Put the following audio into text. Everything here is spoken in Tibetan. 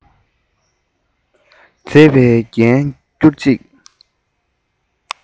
མཛེས པའི རྒྱན གྱུར ཅིག